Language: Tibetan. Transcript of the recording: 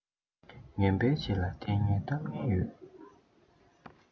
ངན པའི རྗེས ལ ལྟས ངན གཏམ ངན ཡོད